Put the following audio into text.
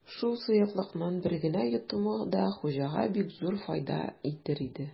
Шул сыеклыкның бер генә йотымы да хуҗага бик зур файда итәр иде.